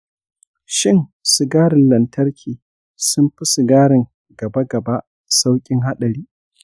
shin sigarin lantarki sun fi sigarin gaba-gaba sauƙin haɗari?